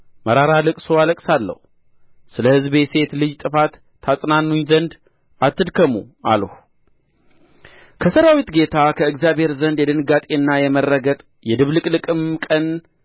መራራ ልቅሶ አለቅሳለሁ ስለ ሕዝቤ ሴት ልጅ ጥፋት ታጽናኑኝ ዘንድ አትድከሙ አልሁ ከሠራዊት ጌታ ከእግዚአብሔር ዘንድ የድንጋጤና የመረገጥ የድብልቅልቅም ቀን